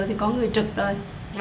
thì có người trực rồi